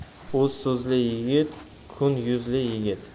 o'z so'zli yigit kun yuzli yigit